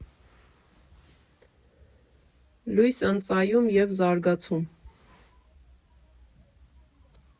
Լույս ընծայում և զարգացում։